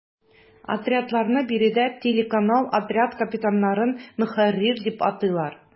Отрядларны биредә “телеканал”, отряд капитаннарын “ мөхәррир” дип атыйлар.